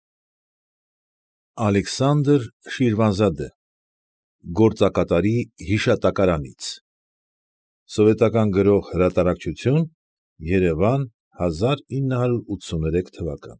Ալեքսանդր Շիրվանզադե, Գործակատարի հիշատակարանից, Սովետական Գրող Հրատարակչություն, Երևան, հազարինը հարյուր ութսուներեք թվական։